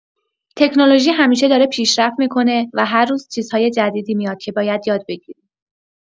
تکنولوژی همیشه داره پیشرفت می‌کنه و هر روز چیزهای جدیدی میاد که باید یاد بگیری.